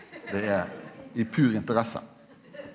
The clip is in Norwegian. det er i pur interesse.